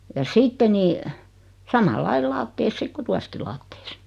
ja sitten niin samalla lailla lattiassa sitten kun tuossakin lattiassa